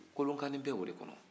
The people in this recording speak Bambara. kolokanin bɛ o de kɔnɔ